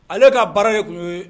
Ale ka baara de tun ye